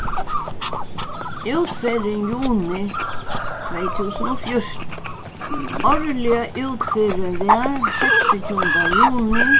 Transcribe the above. útferðin juni tvey túsund og fjúrtan árliga útferðin var seksogtjúgunda juni